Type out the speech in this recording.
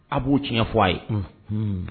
A b'o tiɲɛ fɔ a ye unhuuuun